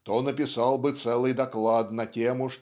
то написал бы целый док лад на тему